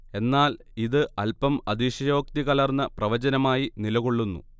എന്നാൽ ഇത് അൽപം അതിശയോക്തി കലർന്ന പ്രവചനമായി നിലകൊള്ളുന്നു